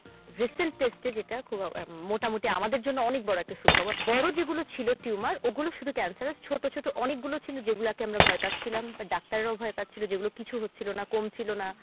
recent টেস্টে যেটা মোটামুটি আমাদের জন্য অনেক বড় একটা সুখবর বড় যেগুলো ছিলে টিউমার ওগুলো শুধু ক্যানসারাস ছোট ছোট অনেকগুলো ছিল যেগুলোকে আমরা ভয় পাচ্ছিলাম বা ডাক্তাররাও ভয় পাচ্ছিল যেগুলো কিছু হচ্ছিল না কমছিল না